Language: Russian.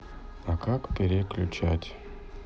а как переключать